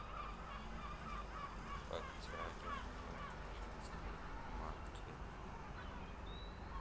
подтягивание женской матки